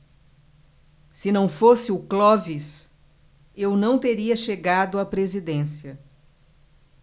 se não fosse o clóvis eu não teria chegado à presidência